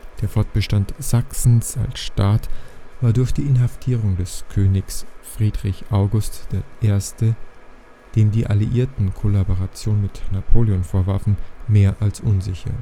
Der Fortbestand Sachsens als Staat war durch die Inhaftierung des Königs Friedrich August I., dem die Alliierten Kollaboration mit Napoleon vorwarfen, mehr als unsicher